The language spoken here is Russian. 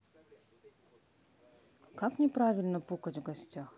как неправильно пукать в гостях